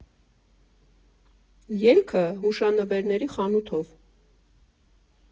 Ելքը՝ հուշանվերների խանութով։